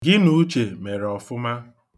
Gị na Uche mere ọfụma.